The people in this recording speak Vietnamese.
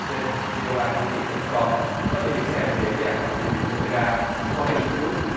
trên vi ô a tiếng việt chấm com có thể được xem dễ dàng bằng trình duyệt ô pê ra qua kênh diu túp